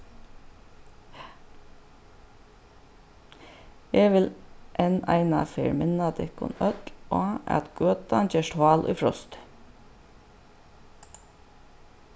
eg vil enn eina ferð minna tykkum øll á at gøtan gerst hál í frosti